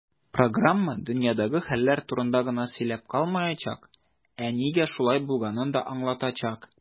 Программа "дөньядагы хәлләр турында гына сөйләп калмаячак, ә нигә шулай булганын да аңлатачак".